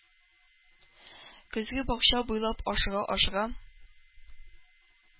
Көзге бакча буйлап ашыга-ашыга